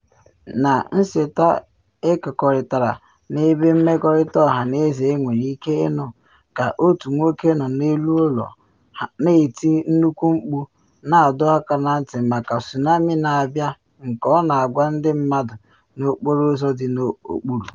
Na nseta ekekọrịtara n’ebe mmerịkọta ọhaneze enwere ike ịnụ ka otu nwoke nọ n’elu ụlọ na eti nnukwu mkpu na adọ aka na ntị maka tsunami na abịa nke ọ na agwa ndị mmadụ n’okporo ụzọ dị n’okpuru.